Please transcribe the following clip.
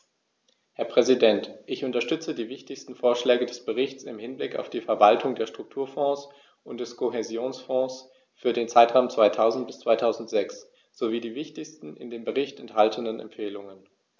Herr Präsident, ich unterstütze die wichtigsten Vorschläge des Berichts im Hinblick auf die Verwaltung der Strukturfonds und des Kohäsionsfonds für den Zeitraum 2000-2006 sowie die wichtigsten in dem Bericht enthaltenen Empfehlungen.